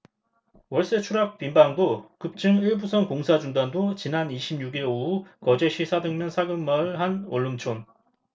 월세 추락 빈 방도 급증 일부선 공사 중단도 지난 이십 육 일 오후 거제시 사등면 사근마을 한 원룸촌